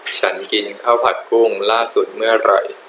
ฉันกินข้าวผัดกุ้งล่าสุดเมื่อไหร่